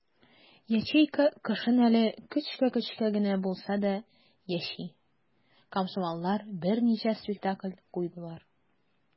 Ячейка кышын әле көчкә-көчкә генә булса да яши - комсомоллар берничә спектакль куйдылар.